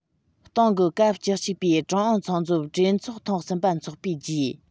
ཏང གི སྐབས བཅུ གཅིག པའི ཀྲུང ཨུ ཚང འཛོམས གྲོས ཚོགས ཐེངས གསུམ པ འཚོགས པའི རྗེས